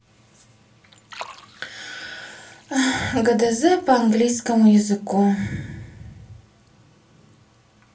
гдз по английскому языку